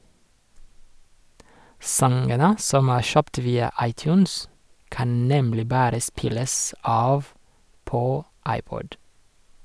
Sangene som er kjøpt via iTunes, kan nemlig bare spilles av på iPod.